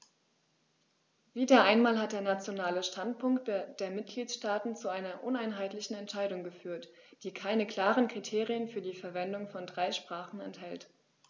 Wieder einmal hat der nationale Standpunkt der Mitgliedsstaaten zu einer uneinheitlichen Entscheidung geführt, die keine klaren Kriterien für die Verwendung von drei Sprachen enthält.